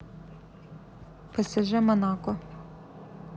псж монако